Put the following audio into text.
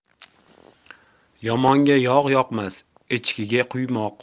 yomonga yog' yoqmas echkiga quymoq